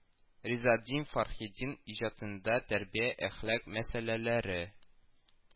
Ризаэддин Фәхреддин иҗатында тәрбия-әхлак мәсьәләләре